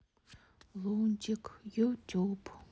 лунтик ютуб